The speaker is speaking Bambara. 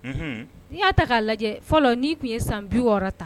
N'i y'a ta k'a lajɛ fɔlɔ ni tun ye san bi wɔɔrɔ ta